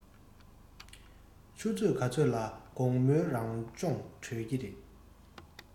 ཆུ ཚོད ག ཚོད ལ དགོང མོའི རང སྦྱོང གྲོལ ཀྱི རེད